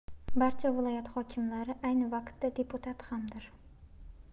barcha viloyat hokimlari ayni vaqtda deputat hamdir